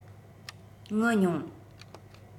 ངུ མྱོང